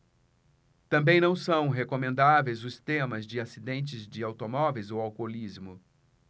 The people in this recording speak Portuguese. também não são recomendáveis os temas de acidentes de automóveis ou alcoolismo